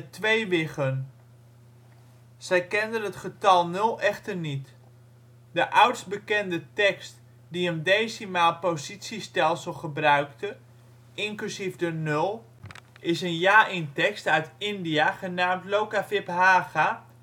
twee wiggen. Zij kenden het getal nul echter niet. De oudst bekende tekst die een decimaal positiestelsel gebruikte, inclusief de nul, is een Jaïn tekst uit India genaamd Lokavibhaaga